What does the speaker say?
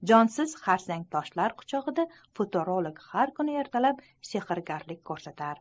jonsiz xarsang toshlar quchog'ida futurolog har kuni ertalab sehrgarliklar ko'rsatar